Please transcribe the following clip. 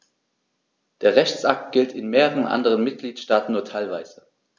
Der Rechtsakt gilt in mehreren anderen Mitgliedstaaten nur teilweise.